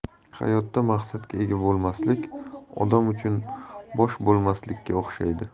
hayotda maqsadga ega bo'lmaslik odam uchun bosh bo'lmaslikka o'xshaydi